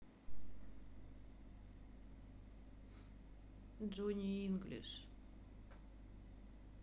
джонни инглиш